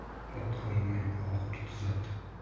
ot olmay oxur tuzat